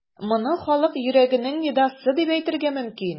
Моны халык йөрәгенең нидасы дип әйтергә мөмкин.